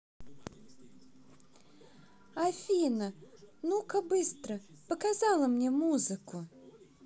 афина ну ка быстро показала мне музыку